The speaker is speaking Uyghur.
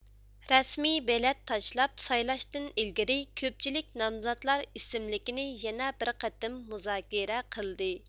رەسمىي بېلەت تاشلاپ سايلاشتىن ئىلگىرى كۆپچىلىك نامزاتلار ئىسىملىكىنى يەنە بىر قېتىم مۇزاكىرە قىلدى